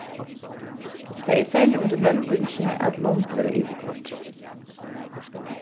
tað er serliga undir lembingini at lomb verða yvirkoyrd